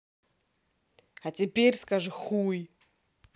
а теперь скажи хуй